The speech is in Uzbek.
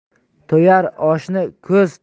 to'yar oshni ko'z